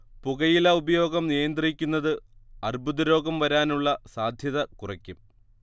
പുകയില ഉപയോഗം നിയന്ത്രിക്കുന്നത് അർബുദരോഗം വരാനുള്ള സാധ്യത കുറയ്ക്കും